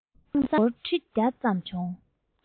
ཁེ བཟང སྒོར ཁྲི བརྒྱ ཙམ བྱུང